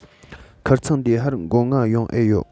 ཁིར ཚང འདིའི ཧར འགོ འ ཡོང ཨེ ཡོད